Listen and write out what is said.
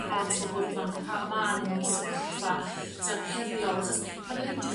i i blant bobol ifanc pam ma n'w mewn sefyllfa t'od heriol achos pan 'da ni'n edrych